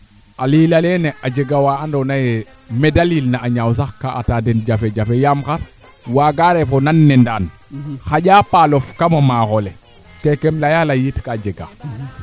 a fi tel fo manaam a tanale ax ke i ne'a ne neete fi tel fo aussi ne waroona waago fi bo yakoora fo meteo no kee ando naye tena lal gan taa